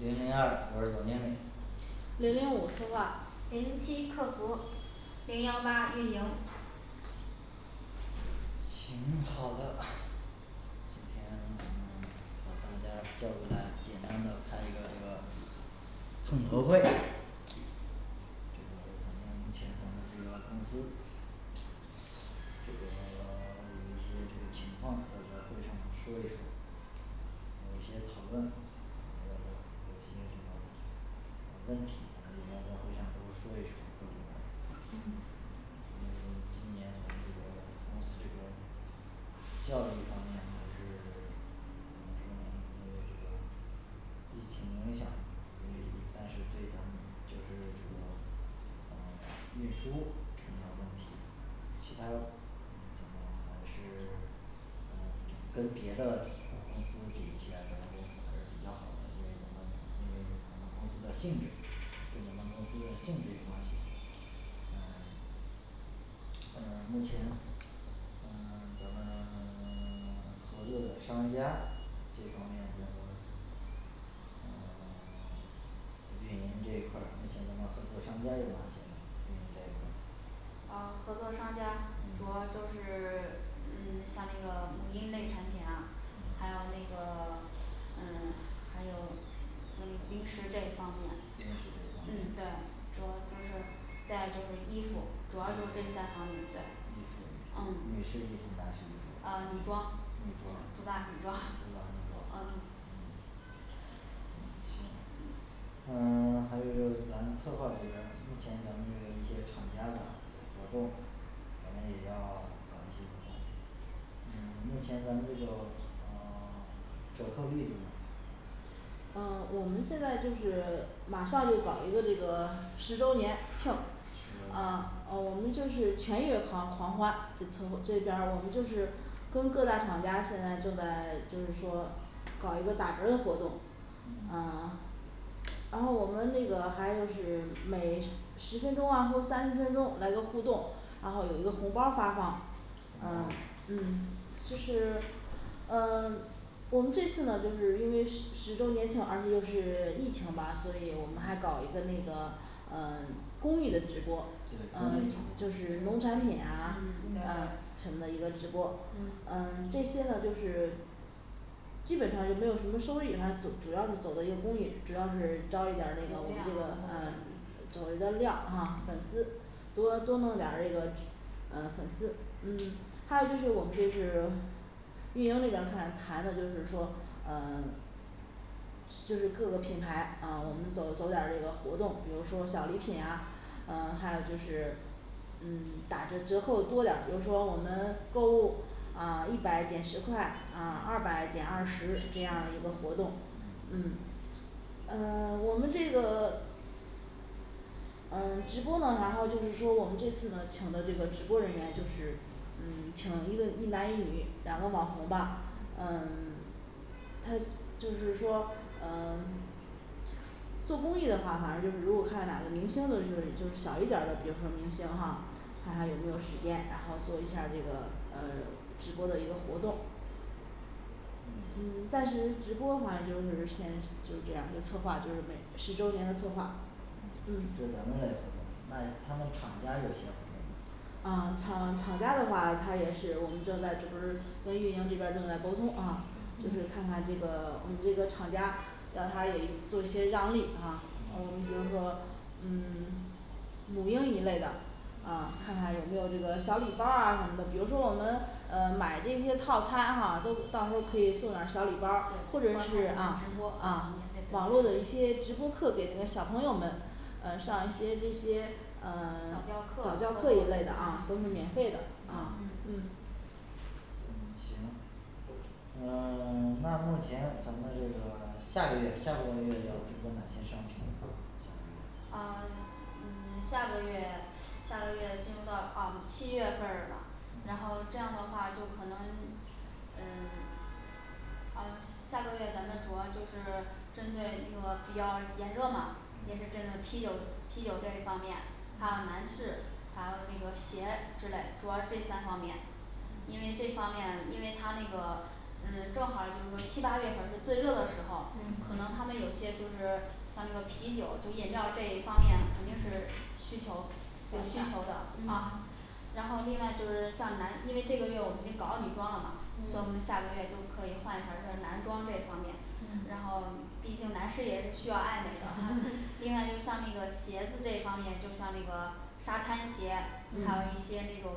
零零二我是总经理零零五策划零零七客服零幺八运营行好的今天咱们把大家叫出来简单的开一个这个统筹会咱们目前咱们这个公司这个 一些这个情况在会上说一说有一些讨论嗯有些这方面的问题在会上多说一说，各部门嗯嗯 今年咱们这个公司这个效益方面还是 怎么说呢，因为这个疫情影响。因为但是对咱们就是什么嗯 运输成了问题其它嗯这个还是 嗯跟别的公司比起来，咱们公司还是比较好的因为咱们嗯咱们公司的性质对咱们公司的性质嗯但目前嗯 咱们 合作的商家这方面咱们嗯 运营这一块儿，目前咱们合作商家有哪些呢？运营这一块儿啊合作商家主要就嗯是 嗯像那个母婴类产品啊还有那嗯个 嗯还有就那个零食这方面零食这方嗯对面主要就是再来就是衣服主要就是这三方面，对嗯衣服女士衣服男士衣啊服女女装装主主打打女女装装 嗯嗯嗯行嗯 还有就是咱策划这边儿目前咱们这一些厂家呢有活动咱们也要 搞一些活动嗯目前咱们这个嗯 折扣力度呢嗯 我们现在就是马上就搞一个这个十周年庆十啊嗯周年我们就是全月狂狂欢，就从这边儿我们就是跟各大厂家现在正在 就是说搞一个打折儿的活动嗯啊 然后我们那个还有就是每十分钟啊或三十分钟来个互动，然后有一个红包儿发放红包啊 儿嗯就是 呃 我们这次呢就是因为十十周年庆，而且又是疫情吧所以我们还搞一个那个呃 公益的直对公益直播播，嗯就是农产嗯嗯对对品啊什么的一个直播，嗯嗯这些呢就是基本上也没有什么收益，反正走主要是走的一个公益，主要是招一流点儿这个我们这个量嗯走一个量啊粉丝多多弄点儿这个嗯粉丝嗯还有就是我们就是运营这边儿看谈的就是说嗯 就是各个品牌啊我们嗯走走点儿这个活动，比如说小礼品啊，嗯还有就是嗯 打折折扣多点儿，比如说我们购物啊一百减十块啊二百减二十这样儿一个活动嗯嗯啊 我们这个 嗯 直播呢然后就是说我们这次呢请的这个直播人员就是，嗯 请一个一男一女两个网红吧嗯嗯 诶就是说嗯 做公益的话，反正就是如果看哪个明星的就是就是小一点儿的，比如说明星哈看还有没有时间，然后做一下儿这个嗯直播的一个活动。嗯 暂时直播反正就是先就是这样儿就是策划就是每 十周年的策划这嗯咱们嘞活动那他们厂家有些活动没有嗯厂厂家的话，他也是我们正在这不是跟运营这边儿正在沟通啊，就是看嗯嗯看这个 我们这个厂家让他也做一些让利啊，我们比如说嗯 母婴一类的啊看看有没有这个小礼包儿啊什么的，比如说我们嗯买这些套餐哈都到时候儿可以送点儿对观看咱们直播免费得小礼包儿或者是啊啊网络的一些直播课给这些小朋友们呃上一些这些呃 早早教教课课一类的啊都嗯是免免费的啊嗯嗯嗯行嗯 那目前咱们这个下个月下个月要注重哪些商品呢？下个月啊 嗯 下个月下个月进入到啊七月份儿了然后这样的话就可能嗯 嗯下个月咱们主要就是 针对那个比较炎热嘛，也是针对嗯啤酒啤酒这一方面，还有嗯男士，还有那个鞋之类，主要是这三方面因为这方面因为他那个嗯正好儿就是说七八月份儿是最热的时候，可嗯能他们有些就是像那个啤酒就饮料儿这一方面肯定是需求有需求的嗯啊然后另外就是像男因为这个月我们就搞女装了嘛所以我们下个嗯月就可以换一下儿做男装这一方面。然嗯后毕竟男士也是需要爱美的，另 外就像那个鞋子这一方面，就像那个沙滩鞋还有一嗯些那种